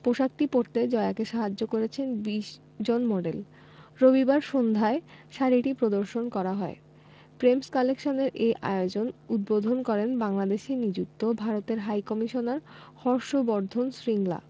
পোশাকটি পরতে জয়াকে সাহায্য করেছেন ২০ জন মডেল রবিবার সন্ধ্যায় শাড়িটি প্রদর্শন করা হয় প্রেমস কালেকশনের এ আয়োজন উদ্বোধন করেন বাংলাদেশে নিযুক্ত ভারতের হাইকমিশনার হর্ষ বর্ধন শ্রিংলা